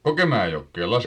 Kokemäenjokeen laskeeko